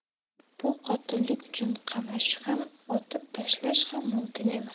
bu qotillik uchun qamash ham otib tashlash ham mumkin emas